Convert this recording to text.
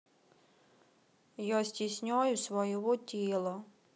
я стесняюсь своего тела